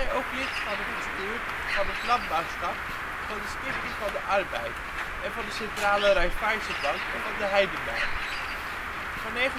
ook lid van het bestuur van het Landbouwschap, van de Stichting van de Arbeid, van de Centrale Raifeissenbank en van de Heidemij. Van 1956 tot 1963